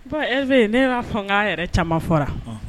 Bɔn e ne y'a fanga yɛrɛ caman fɔra